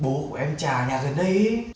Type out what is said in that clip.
bố của em chà nhà gần đây ý